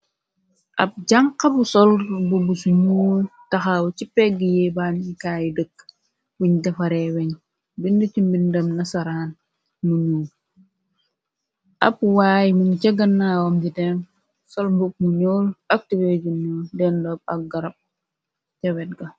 Ab jànxa bu sol mbubu bu nuul taxaw ci pegg ye bànnikaayu dëkk wuñ defaree weñ binda ci bindam nasaraan mu ñuul ab waay mogi ca gannaawaam di dem sol mbubu bu ñuul ak tubay bu nuul denkox ak garab ca wett ga.